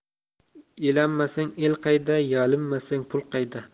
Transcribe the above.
elanmasang el qayda yalinmasang pul qayda